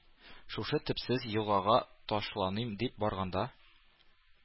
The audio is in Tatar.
Шушы төпсез елгага ташланыйм дип барганда,